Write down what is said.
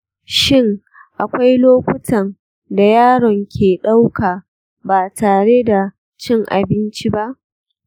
shin akwai lokutan da yaron ke ɗauka ba tare da cin abinci ba?